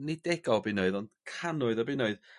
nid dega o bunnoedd ond cannoedd o bunnoedd.